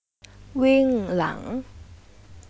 วิ่งหลัง